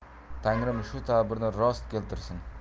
tangrim shu tabirni rost keltirsin